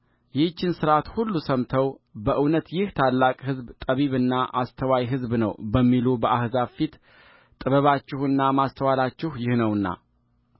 ይህችን ሥርዓት ሁሉ ሰምተው በእውነት ይህ ታላቅ ሕዝብ ጠቢብና አስተዋይ ሕዝብ ነው በሚሉ በአሕዛብ ፊት ጥበባችሁና ማስተዋላችሁ ይህ ነውና